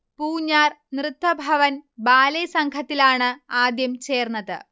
Poonjar Nrithabhavan ballet സംഘത്തിലാണ് ആദ്യം ചേർന്നത്